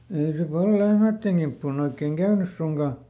ei se paljon lehmien kimppuun oikein käynyt suinkaan